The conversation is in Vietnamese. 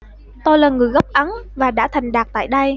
tôi là người gốc ấn và đã thành đạt tại đây